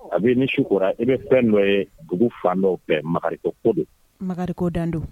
A bi ni su kora i bɛ fɛn nɔ ye dugu fan dɔ bɛɛ ma ko don ma dan don